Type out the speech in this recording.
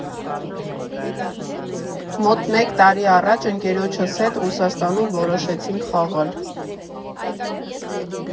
Մոտ մեկ տարի առաջ ընկերոջս հետ Ռուսաստանում որոշեցինք խաղալ։